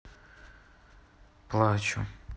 плачу